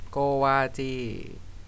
โกวาจี